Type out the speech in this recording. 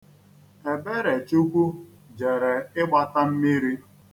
Eberechukwu jere ịgbata mmiri.